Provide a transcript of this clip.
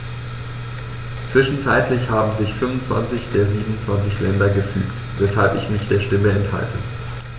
Zwischenzeitlich haben sich 25 der 27 Länder gefügt, weshalb ich mich der Stimme enthalte.